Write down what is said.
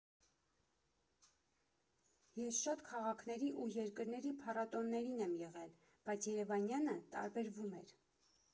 Ես շատ քաղաքների ու երկրների փառատոներին եմ եղել, բայց երևանյանը տարբերվում էր։